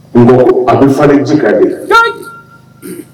N dɔgɔ a bɛ falen ji kan de